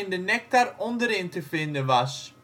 de nectar onderin te vinden was